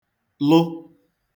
lụ